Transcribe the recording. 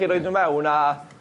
...chi roid n'w mewn a...